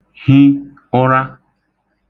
hi ụra